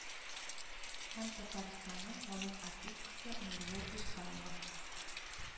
Һәм татарстанның халык артисткасы нурия ирсаева